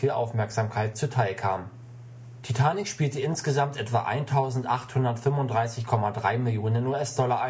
Aufmerksamkeit zuteil kam. Titanic spielte insgesamt etwa 1.835,3 Millionen US-Dollar ein